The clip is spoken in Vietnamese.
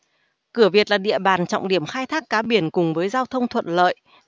cửa việt là địa bàn trọng điểm khai thác cá biển cùng với giao thông thuận lợi